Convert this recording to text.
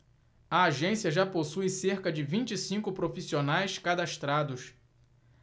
a agência já possui cerca de vinte e cinco profissionais cadastrados